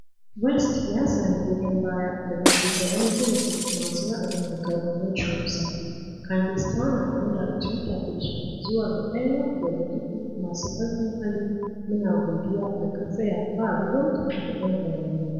West ya sami goyon baya daga shugaban gungun masu ra'ayin riƙau na TRUSA, Candace Turner wanda a Twitter ta ce: Zuwa ga ɗaya daga cikin masu ƙarfin hali: MUNA GODIYA DA KA TSAYA BA RUWANKA DA 'YAN HAYANIYA."